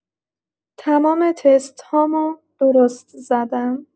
تمام تست‌هامو درست زدم